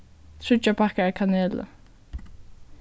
tríggjar pakkar av kaneli